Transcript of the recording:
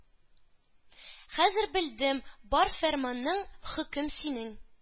Хәзер белдем, бар фәрманың, хөкмең синең